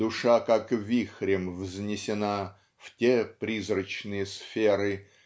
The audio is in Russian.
Душа как вихрем взнесена В те призрачные сферы